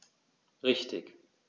Richtig